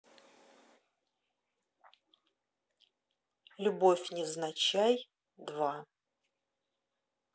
любовь невзначай два